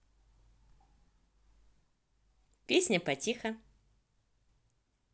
песня потихо